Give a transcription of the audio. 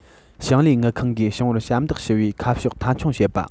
ཞིང ལས དངུལ ཁང གིས ཞིང པར ཞབས འདེགས ཞུ བའི ཁ ཕྱོགས མཐའ འཁྱོངས བྱེད པ